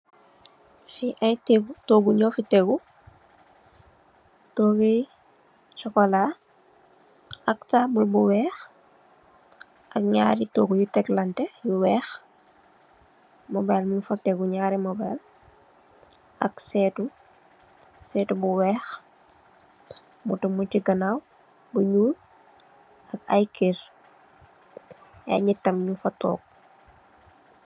Fii ay toogu ñoo fi teggu, toogu yu sokolaa, ak taabul bu weex, ak ñarri toogu yu weex yu teklaante, mobayil muñ fa, ak séétu, séétu bu weex,"motto" muñ si ganaaw, bu ñuul, ak ay kér, ay nit tam ñung fa toog